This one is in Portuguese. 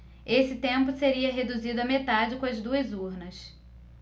esse tempo seria reduzido à metade com as duas urnas